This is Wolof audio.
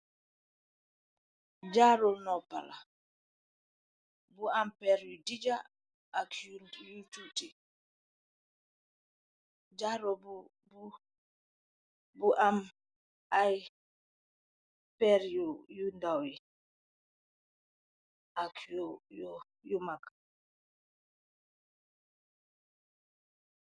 Jarou nopa buam pirr yuu gudaa pur jigeen.